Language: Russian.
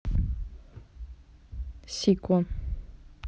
sicko